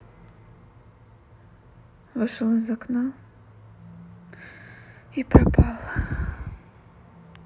вышел из окна и пропал